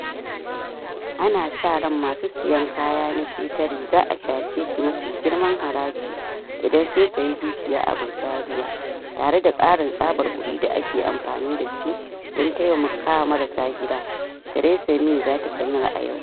Ana sa ran masu siyan kaya na ƙetare za a caje su mafi girman haraji idan sun sayi dukiya a Birtaniya - tare da ƙarin tsabar kuɗin da ake amfani da su don taimaka wa marasa gida, Theresa May za ta sanar a yau.